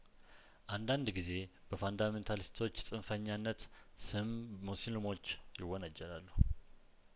አንዳንድ ጊዜ በፋንዳ ሜንታሊስቶች ጽንፈኛነት ስም ሙስሊሞች ይወነጀላሉ